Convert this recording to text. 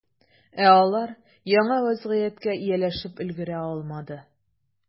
Ә алар яңа вәзгыятькә ияләшеп өлгерә алмады.